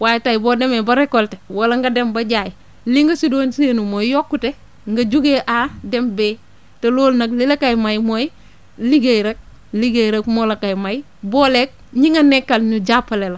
waaye tey boo demee ba récolter wala nga dem ba jaay li nga si doon séntu mooy yokkute nga jugee A dem B te loolu nag li la koy may mooy liggéey rek liggéey rek moo la kay may booleeg ñi nga nekkal ñu jàppale la